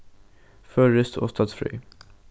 føroyskt og støddfrøði